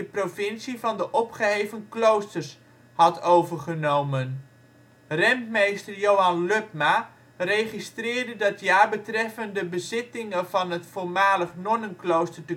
provincie van de opgeheven kloosters had overgenomen. Rentmeester Johan Lutma registreerde dat jaar betreffende bezittingen van het voormalig nonnenklooster